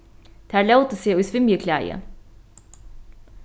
tær lótu seg í svimjiklæði